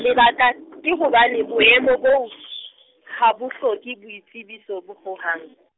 lebaka ke hobane, boemo boo , ha bo hloke boitsebiso bo, ho hang.